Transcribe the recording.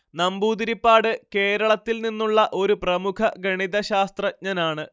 നമ്പൂതിരിപ്പാട്കേരളത്തിൽ നിന്നുള്ള ഒരു പ്രമുഖ ഗണിതശാസ്ത്രജ്ഞനാണ്